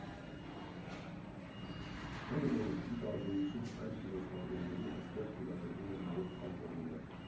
Ընդ որում, ի տարբերություն այլ կինոթատրոնների այստեղ թույլատրվում է նաև ալկոհոլը։